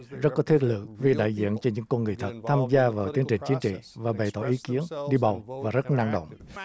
rất có thế lực vì đại diện cho những con người thật tham gia vào tiến trình chính trị và bày tỏ ý kiến đi bầu và rất năng động